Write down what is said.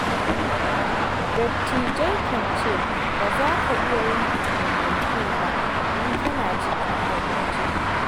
Dattijai kan ce, ba za ka iya yin abin mai kyau ba in kana cikin baƙin ciki.